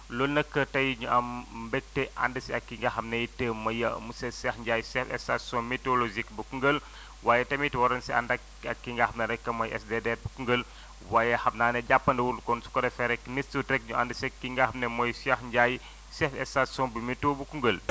loolu nag tey ñu am mbégte ànd si ak ki nga xam ne it mooy monsieur Cheikh Ndiaye chef station météorologique bu Koungheul waaye tamit waroon si ànd ak ki nga xam ne rek mooy SDDR Koungheul waaye xam naa ni jàppandiwul kon su ko defee rek nes tuut rek ñu ànd seeg ki nga xam ne mooy Cheikh Ndiaye Cheikh station bu météo bu Koungheul